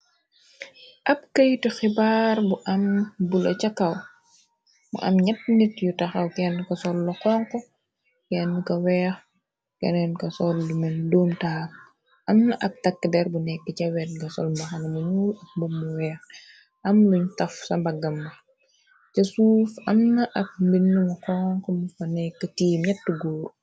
ab keytu xibaar bu am bula ca kaw mu am gñett nit yu taxaw kenn ko sol la xonk kenn ko weex kenneen ko sol lu men doom taab amn ak takk der bu nekk cawet ga sol maxna munuul ak bombu weex am luñ taf sa mbaggambax ca suuf am na ab mbin mu xonx mu fa nekk tiim nett góor